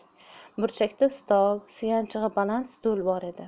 burchakda stol suyanchig'i baland stul bor edi